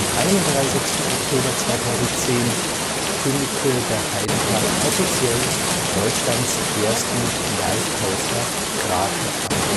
31. Oktober 2010 kündigte der Heide Park offiziell Deutschlands ersten Dive Coaster Krake an